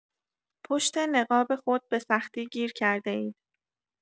پشت نقاب خود به‌سختی گیر کرده‌اید.